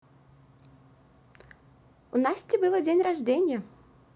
у насти было день рождения